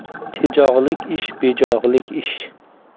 tejog'lik ish bejog'lik ish